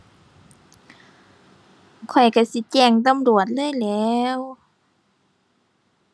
ข้อยก็สิแจ้งตำรวจเลยแหล้ว